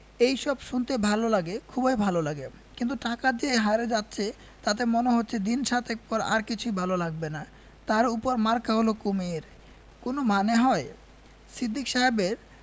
এইসব শুনতে ভাল লাগে খুবই ভাল লাগে কিন্তু টাকা যে হারে যাচ্ছে তাতে মনে হচ্ছে দিন সাতেক পর আর কিছুই ভাল লাগবে না তার উপর মার্কা হল কুমীর কোন মানে হয় সিদ্দিক সাহেবের